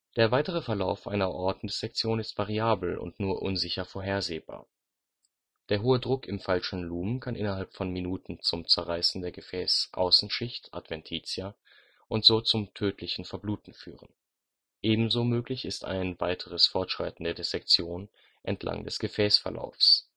Der weitere Verlauf einer Aortendissektion ist variabel und nur unsicher vorhersehbar. Der hohe Druck im falschen Lumen kann innerhalb von Minuten zum Zerreißen der Gefäßaußenschicht (Adventitia) und so zum tödlichen Verbluten führen. Ebenso möglich ist ein weiteres Fortschreiten der Dissektion entlang des Gefäßverlaufes